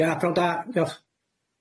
Ia pnawn da diolch.